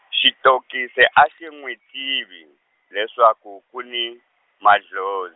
xitokisi a xi nwi tivi, leswaku ku ni mandlo-.